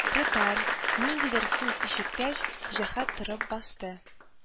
Ретарь, ниндидер сүз ишеткәч, җәһәт торып басты